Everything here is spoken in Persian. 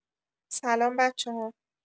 سلام بچه‌ها